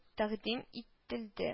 Тәкъдим ителде